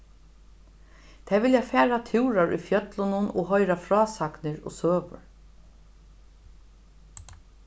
tey vilja fara túrar í fjøllunum og hoyra frásagnir og søgur